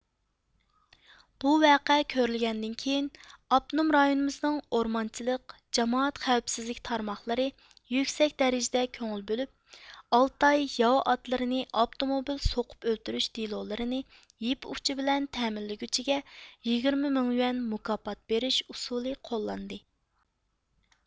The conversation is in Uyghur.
بۇ ۋەقە كۆرۈلگەندىن كېيىن ئاپتونوم رايونىمىزنىڭ ئورمانچىلىق جامائەت خەۋپسىزلىك تارماقلىرى يۈكسەك دەرىجىدە كۆڭۈل بۆلۈپ ئالتاي ياۋا ئاتلىرىنى ئاپتوموبىل سوقۇپ ئۆلتۈرۈش دېلولىرىنى يىپ ئۇچى بىلەن تەمىنلىگۈچىگە يىگىرمە مىڭ يۈەن مۇكاپات بېرىش ئۇسولى قوللاندى